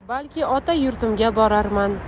balki ota yurtimga borarman